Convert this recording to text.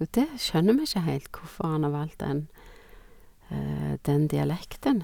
Og det skjønner vi ikke heilt, hvorfor han har valgt den den dialekten.